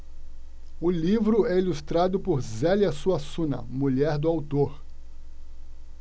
o livro é ilustrado por zélia suassuna mulher do autor